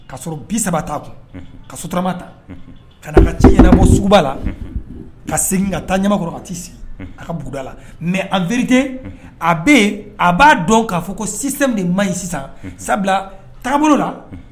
Ka sɔrɔ bi saba kun ka soturama ta ka ka ci ɲɛnabɔ suguba la ka segin ka taa ɲakɔrɔ tɛ sigi a ka buguda la mɛ anvte a bɛ a b'a dɔn k'a fɔ ko sisan de ma ɲi sisan sabula taabolo la